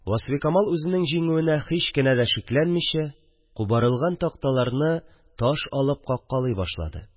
Васфикамал үзенең җиңүенә һич кенә дә шикләнмичә, кубарылган такталарны таш алып каккалый башлады